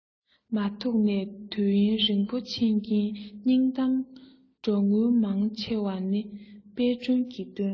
མ ཐུགས ནས དུས ཡུན རིང པོ ཕྱིན རྐྱེན སྙིང གཏམ འགྲོ དངུལ མང ཆེ བ ནི དཔལ སྒྲོན གྱི བཏོན